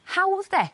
Hawdd 'de?